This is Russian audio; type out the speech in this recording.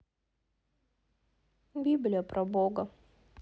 библия про бога